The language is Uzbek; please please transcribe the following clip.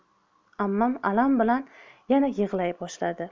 ammam alam bilan yana yig'lay boshladi